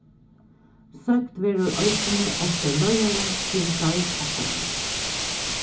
søkt verður eisini eftir leiðara til deild okkara